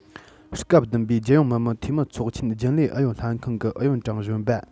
སྐབས བདུན པའི རྒྱལ ཡོངས མི དམངས འཐུས མི ཚོགས ཆེན རྒྱུན ལས ཨུ ཡོན ལྷན ཁང གི ཨུ ཡོན ཀྲང གཞོན པ